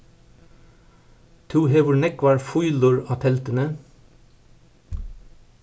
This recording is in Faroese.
tú hevur nógvar fílur á telduni